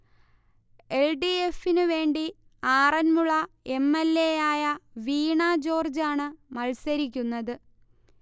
L. D. എഫിന് വേണ്ടി Aranmula M. L. എയായ വീണ ജോർജാണ് മത്സരിക്കുന്നത്